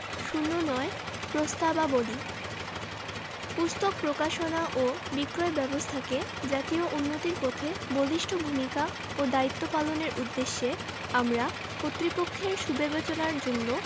০৯ প্রস্তাবাবলী পুস্তক প্রকাশনা ও বিক্রয় ব্যাবস্থাকে জাতীয় উন্নতির পথে বলিষ্ঠ ভূমিকা ও দায়িত্ব পালনের উদ্দেশ্যে আমরা কর্তৃপক্ষের সুবিবেচনার জন্য